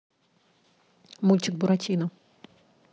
мультик буратино